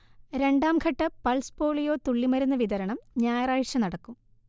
രണ്ടാംഘട്ട pulse polio തുള്ളിമരുന്ന് വിതരണം ഞായറാഴ്ച നടക്കും